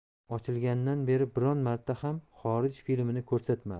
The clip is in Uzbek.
ochilganidan beri biron marta ham xorij filmini ko'rsatmadi